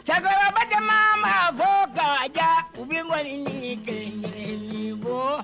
Cɛkɔrɔba caman ba fɔ ka diya u bɛ n'koni nin kelen kelen nin fɔɔ.